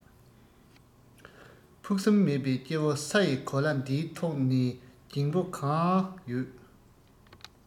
ཕུགས བསམ མེད པའི སྐྱེ བོ ས ཡི གོ ལ འདིའི ཐོག གནས སྡིང པོ གང ཡོད